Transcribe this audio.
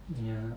jaa